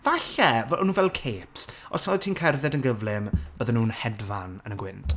Falle, f- o'n nhw fel capes. Os oedd ti'n cerdded yn gyflym, bydden nhw'n hedfan, yn y gwynt.